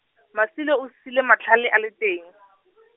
masilo o sule matlhale a le teng .